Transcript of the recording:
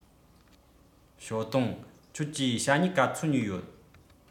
ཞའོ ཏུང ཁྱོད ཀྱིས ཞྭ སྨྱུག ག ཚོད ཉོས ཡོད